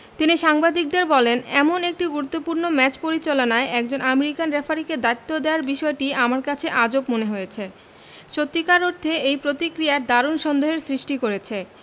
তিনি সাংবাদিকদের বলেন এমন একটি গুরুত্বপূর্ণ ম্যাচ পরিচালনায় একজন আমেরিকান রেফারিকে দায়িত্ব দেয়ার বিষয়টি আমার কাছে আজব মনে হয়েছে সত্যিকার অর্থে এই প্রতিক্রিয়ায় দারুণ সন্দেহের সৃষ্টি করেছে